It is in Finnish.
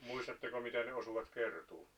muistatteko mitä ne osuivat kertomaan